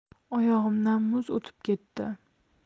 oyog'imdan muz o'tib ketdi